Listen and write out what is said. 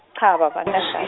cha babe angikashad-.